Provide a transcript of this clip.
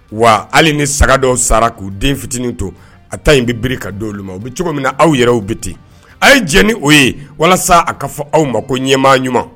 Wa hali ni sagadɔ sara k'u den fitinin to a ta in bi bi ka don olu ma o bɛ cogo min na aw yɛrɛ bi ten a ye jɛ ni o ye walasa a ka fɔ aw ma ko ɲɛmaa ɲuman